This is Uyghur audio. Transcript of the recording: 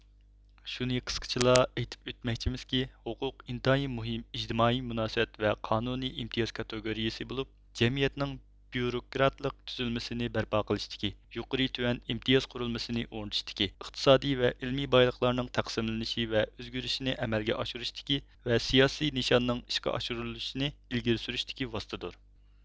شۇنى قىسقىچىلا ئېيتىپ ئۆتمەكچىمىزكى ھوقۇق ئىنتايىن مۇھىم ئىجتىمائىي مۇناسىۋەت ۋە قانۇنىي ئىمتىياز كاتېگورىيىسى بولۇپ جەمئىيەتنىڭ بيۇروكراتلىق تۈزۈلمىسىنى بەرپا قىلىشتىكى يۇقىرى تۆۋەن ئىمتىياز قۇرۇلمىسىنى ئورنىتىشتىكى ئىقتىسادىي ۋە ئىلمىي بايلىقلارنىڭ تەقسىملىنىشى ۋە ئۆزگىرىشىنى ئەمەلگە ئاشۇرۇشتىكى ۋە سىياسىي نىشاننىڭ ئىشقا ئاشۇرۇلۇشىنى ئىلگىرى سۈرۈشتىكى ۋاسىتىدۇر